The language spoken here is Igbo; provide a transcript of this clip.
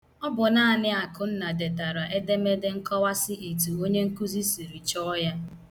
Ọ bụ naanị Akụnna detara edemede nkọwasị etu onyenkuzi siri chọọ ya.